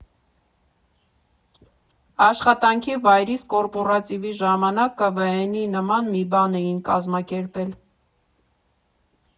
Աշխատանքի վայրիս կորպորատիվի ժամանակ ԿՎՆ֊ի նման մի բան էին կազմակերպել։